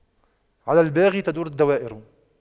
على الباغي تدور الدوائر